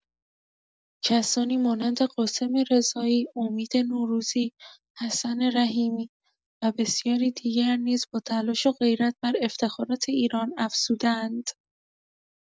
کسانی مانند قاسم رضایی، امید نوروزی، حسن رحیمی و بسیاری دیگر نیز با تلاش و غیرت بر افتخارات ایران افزوده‌اند.